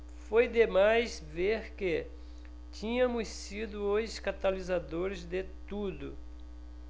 foi demais ver que tínhamos sido os catalisadores de tudo